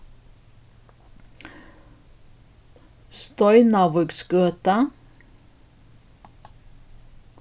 steinavíksgøta